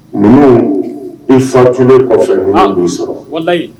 Nunnu i fatulen kɔfɛ nunnu b'i sɔrɔ walahi